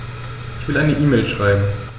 Ich will eine E-Mail schreiben.